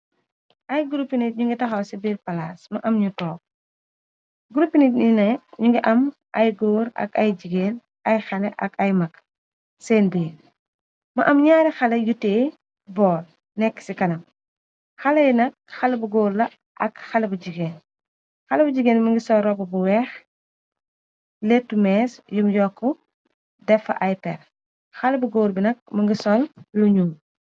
Ay grupi nit ñu ngi taxaw ci bir palaas, ma am ñu toog, grupi nit ñi nak ñu ngi am ay góor ak ay jigéen, ay xale ak ay mag seen biir, mu am ñaari xale yu tiye bool, nekk ci kanam, xale yi nak xale bu goor la ak xale bu jigeen, xale bu jiggéen bi mu ngi sol robbu bu weex, lettu mees yum yokk defa ay per, xale bu góor bi nak më ngi sol lu ñuul.